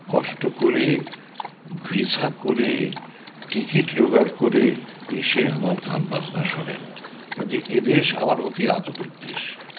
কষ্ট করে ভিসা করে টিকিট জোগাড় করে আমার গান বাজনা শোনেন কাজেই এদেশ আমার অতি আদরের দেশ